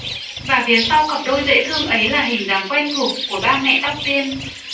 và phía sau cặp đôi dễ thương ấy là hình dáng quen thuộc của ba mẹ tóc tiên